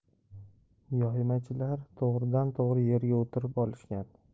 yoymachilar to'g'ridan to'g'ri yerga o'tirib olishgan